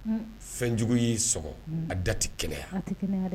Fɛnjugu y'i s a da tɛ kɛlɛ yan